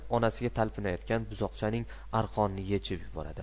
onasiga talpinayotgan buzoqchaning arqonini yechib yuboradi